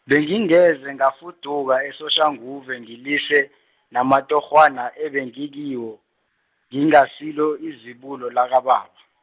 bengingeze ngafuduka eSoshanguve ngilise, namatorhwana ebengikiwo, ngingasilo izibulo lakababa.